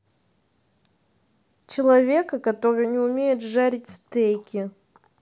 человека который не умеет жарить стейки